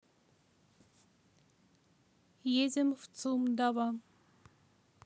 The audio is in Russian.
едем в цум дава